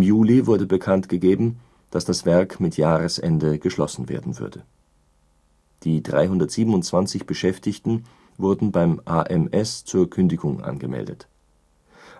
Juli wurde bekanntgegeben, dass das Werk mit Jahresende geschlossen werden würde. Die 327 Beschäftigten wurden beim AMS zur Kündigung angemeldet.